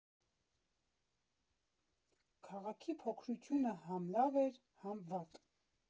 Քաղաքի փոքրությունը հա՛մ լավ էր, հա՛մ վատ։